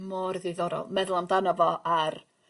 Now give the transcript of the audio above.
Mor ddiddorol meddwl amdano fo ar